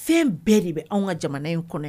Fɛn bɛɛ de bɛ anw ka jamana in kɔnɔ